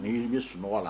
N' i bɛ sunwa la